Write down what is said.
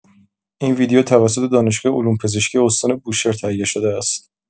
این ویدئو توسط دانشگاه علوم‌پزشکی استان بوشهر تهیه شده است.